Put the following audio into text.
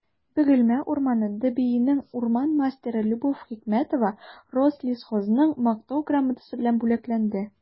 «бөгелмә урманы» дбинең урман мастеры любовь хикмәтова рослесхозның мактау грамотасы белән бүләкләнде